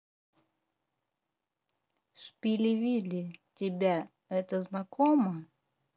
шпили вилли тебя это знакомо